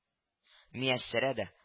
Мияссәрә дә